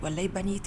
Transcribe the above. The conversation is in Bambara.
Wa i ban ye tɛ